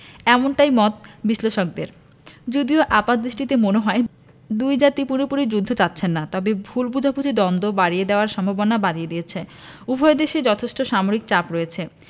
এমনটাই মত বিশ্লেষকদের যদিও আপাতদৃষ্টিতে মনে হয় দুই জাতিই পুরোপুরি যুদ্ধ চাচ্ছে না তবে ভুল বোঝাবুঝি দ্বন্দ্ব বাড়িয়ে দেওয়ার সম্ভাবনা বাড়িয়ে দিচ্ছে উভয় দেশেই যথেষ্ট সামরিক চাপ রয়েছে